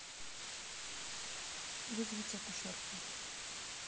вызовите акушерку